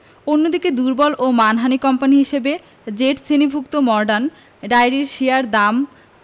অন্যদিকে দুর্বল ও মানহানি কোম্পানি হিসেবে জেড শ্রেণিভুক্ত মর্ডান ডাইরির শেয়ার দাম